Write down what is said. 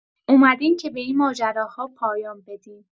اومدیم که به این ماجراها پایان بدیم.